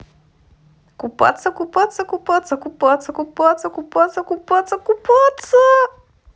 купаться купаться купаться купаться купаться купаться купаться купаться купаться